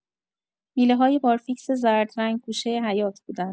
میله‌های بارفیکس زرد رنگ گوشه حیاط بودن.